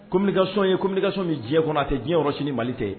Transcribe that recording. Ko minikaso ye kokaso min diɲɛ kɔnɔ a tɛ diɲɛyɔrɔ sini mali tɛ